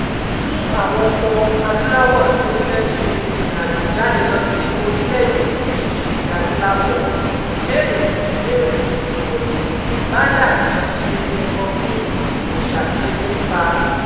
Fún àwọn Ọmọ-adúláwọ̀ tí ó fẹ́ ṣe ìrìnàjò jáde lọ sí orílẹ̀-èdè tí kìí ṣe ti adúláwọ̀, ìbéèrè fún ìwé ìrìnnà ìwọ̀lú máa ń dà bíi ṣíṣe ẹbọ fún òòṣà tí ebi ń pa.